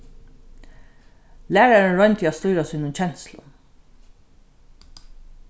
lærarin royndi at stýra sínum kenslum